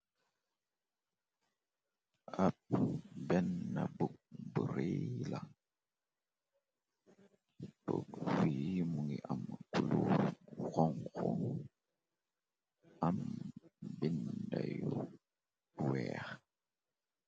ab ben na bug bu re la ko fi mu ngi am kuluur xonxo am bindayu weex